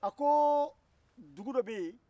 a ko dugu dɔ bɛ yen